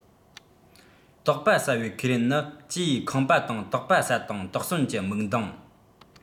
དོགས པ ཟ བའི ཁས ལེན ནི གྱིས ཁེངས པ དང དོགས པ ཟ དང དོགས ཟོན གྱི མིག མདངས